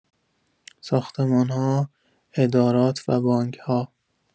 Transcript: ساختمان‌ها، ادارات و بانک‌ها